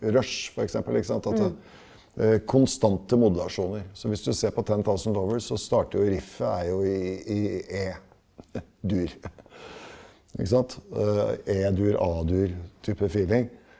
Rush f.eks. ikke sant at konstante modulasjoner, så hvis du ser på Ten Thousand Lovers så starter jo riffet er jo i i e-dur ikke sant e-dur, a-dur type .